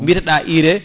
ko biyetaɗa IRE